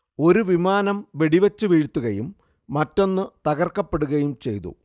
ഒരു വിമാനം വെടിവെച്ചു വീഴ്ത്തുകയും മറ്റൊന്ന് തകർക്കപ്പെടുകയും ചെയ്തു